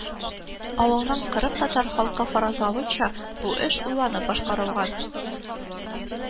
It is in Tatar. Авылның кырымтатар халкы фаразлавынча, бу эш уйланып башкарылган